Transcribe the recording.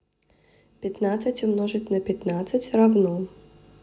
пятнадцать умножить на пятнадцать равно